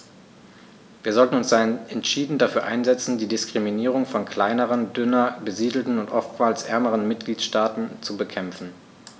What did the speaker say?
Wir sollten uns daher entschieden dafür einsetzen, die Diskriminierung von kleineren, dünner besiedelten und oftmals ärmeren Mitgliedstaaten zu bekämpfen.